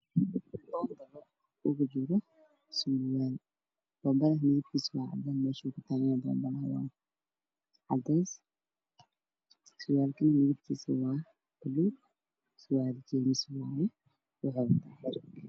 Waxaa ii muuqday sarwaal midabkiisu yahay buluuq dhexdana ka jajaxan waxaana ku dhex jira caag cad